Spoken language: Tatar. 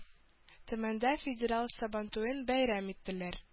Төмәндә федераль Сабантуен бәйрәм иттеләр